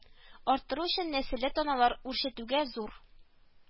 Арттыру өчен нәселе таналар үрчетүгә зур